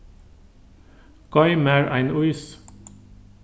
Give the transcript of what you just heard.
goym mær ein ís